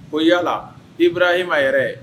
O yalala i bɔra i ma yɛrɛ ye